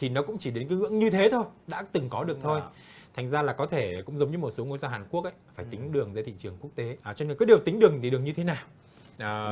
thì nó cũng chỉ đến cái ngưỡng như thế thôi đã từng có được thôi thành ra là có thể cũng giống như một số ngôi sao hàn quốc ấy phải tính đường về thị trường quốc tế à cho nên cứ đều tính đường thì đường như thế nào à